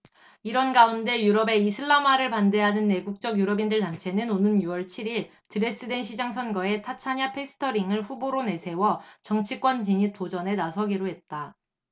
이런 가운데 유럽의 이슬람화를 반대하는 애국적 유럽인들 단체는 오는 유 월 칠 일 드레스덴시장 선거에 타챠나 페스터링을 후보로 내세워 정치권 진입 도전에 나서기로 했다